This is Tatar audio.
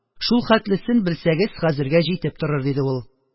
Шулхәтлесен белсәгез, хәзергә җитеп торыр, – диде ул